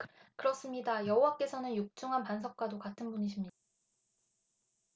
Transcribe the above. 그렇습니다 여호와께서는 육중한 반석과도 같은 분이십니다